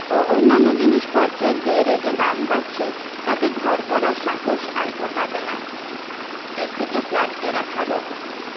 ও অন্যান্য জিনিস পত্রের যে রেটে দাম বাড়ছে তাতে ঘর করার সাহস আর কেউ পাবে না এর থেকে ফ্ল্যাট কেনা ভাল